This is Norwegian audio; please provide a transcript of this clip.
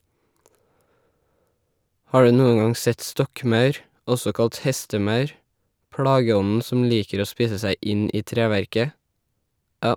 Har du noen gang sett stokkmaur , også kalt hestemaur , plageånden som liker å spise seg inn i treverket?